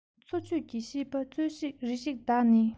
འཚོ བཅུད ཀྱི ཤིས པ སྩོལ ཅིག རེ ཞིག བདག ནི